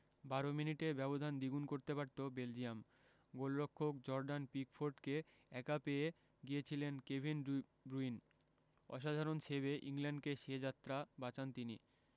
১২ মিনিটে ব্যবধান দ্বিগুণ করতে পারত বেলজিয়াম গোলরক্ষক জর্ডান পিকফোর্ডকে একা পেয়ে গিয়েছিলেন কেভিন ডি ব্রুইন অসাধারণ সেভে ইংল্যান্ডকে সে যাত্রা বাঁচান তিনি